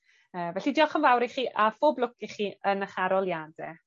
Yy felly diolch yn fawr i chi a phob lwc i chi yn 'ych aroliade.